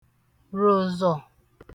ròzọ̀